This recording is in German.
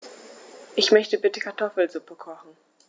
Ich möchte bitte Kartoffelsuppe kochen.